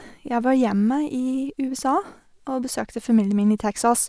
Jeg var hjemme i USA og besøkte familien min i Texas.